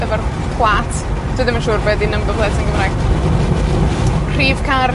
efo'r plat, dwi ddim yn siŵr be' 'di number plate yn Gymraeg. Rhif car?